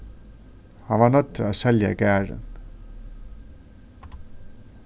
hann varð noyddur at selja garðin